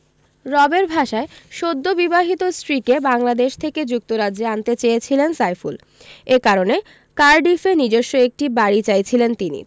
রবের ভাষায় সদ্যবিবাহিত স্ত্রীকে বাংলাদেশ থেকে যুক্তরাজ্যে আনতে চেয়েছিলেন সাইফুল এ কারণে কার্ডিফে নিজস্ব একটি বাড়ি চাইছিলেন তিনি